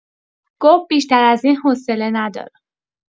گفت بیشتر از این حوصله ندارم!